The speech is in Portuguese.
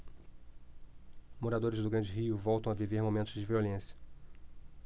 moradores do grande rio voltam a viver momentos de violência